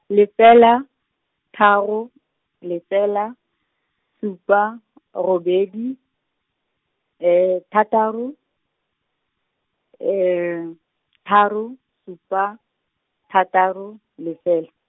lefela, tharo, lefela, supa , robedi, thataro, tharo, supa, thataro, lefela.